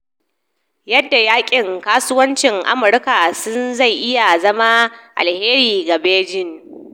Yadda yakin kasuwancin Amurka-Sin zai iya zama alheri ga Beijing